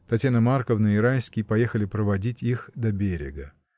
Татьяна Марковна и Райский поехали проводить их до берега.